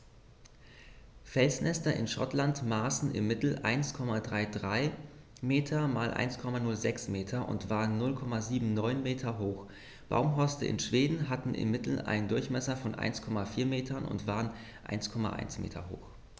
Felsnester in Schottland maßen im Mittel 1,33 m x 1,06 m und waren 0,79 m hoch, Baumhorste in Schweden hatten im Mittel einen Durchmesser von 1,4 m und waren 1,1 m hoch.